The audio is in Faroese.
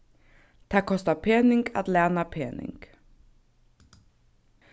tað kostar pening at læna pening